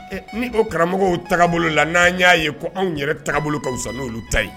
Ɛ ni o karamɔgɔ taabolo la n'an y'a ye ko anw yɛrɛ taabolo ka fisa n'olu ta ye.